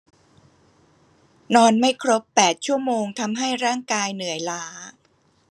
นอนไม่ครบแปดชั่วโมงทำให้ร่างกายเหนื่อยล้า